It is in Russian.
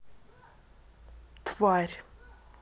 тварь